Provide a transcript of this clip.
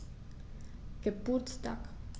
Geburtstag